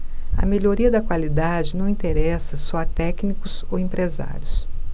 a melhoria da qualidade não interessa só a técnicos ou empresários